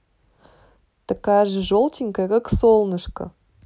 такая же желтенькая как солнышко